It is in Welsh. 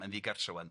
Mae'n ddigartre' ŵan.